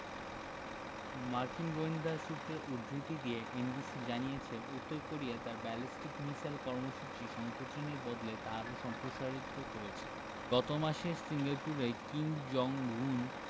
মার্কিন গোয়েন্দা সূত্রের উদ্ধৃতি দিয়ে এনবিসি জানিয়েছে উত্তর কোরিয়া তার ব্যালিস্টিক মিসাইল কর্মসূচি সংকোচনের বদলে তা আরও সম্প্রসারিত করছে গত মাসে সিঙ্গাপুরে কিম জং উন